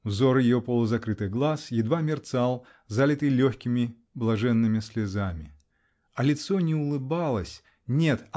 Взор ее полузакрытых глаз едва мерцал, залитый легкими, блаженными слезами. А лицо не улыбалось. нет!